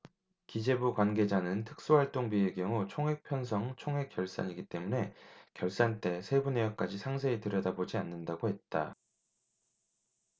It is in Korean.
기재부 관계자는 특수활동비의 경우 총액 편성 총액 결산이기 때문에 결산 때 세부 내역까지 상세히 들여다보지 않는다고 했다